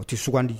O tɛ sugandi